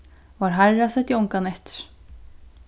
várharra setti ongan eftir